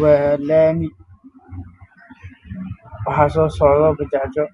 Waa laami waxaa soo socda bajaajyo